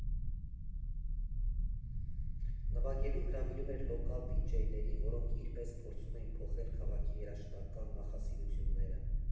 Նվագելու հրավիրում էր լոկալ դիջեյների, որոնք իր պես փորձում էին փոխել քաղաքի երաժշտական նախասիրությունները։